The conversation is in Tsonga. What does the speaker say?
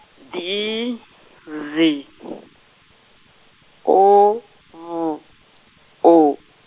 D Z O V O.